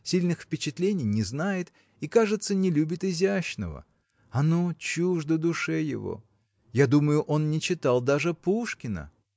сильных впечатлений не знает и, кажется, не любит изящного оно чуждо душе его я думаю, он не читал даже Пушкина.